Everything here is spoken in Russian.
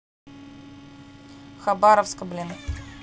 хабаровска блин